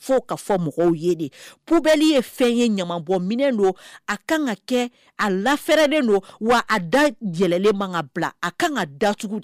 Ka fɔ mɔgɔw ye de pbli ye fɛn ye ɲamabɔ minɛ don a kan ka kɛ a lafɛɛrɛlen don wa a da jɛlen man ka bila a kan ka da